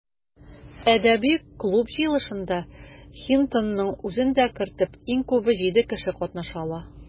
Әдәби клуб җыелышында, Хинтонның үзен дә кертеп, иң күбе җиде кеше катнаша ала.